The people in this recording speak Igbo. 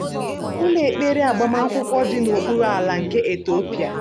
Ụlọ ekpere agbamakwụkwọ dị n'okpuru ala nke Etiopia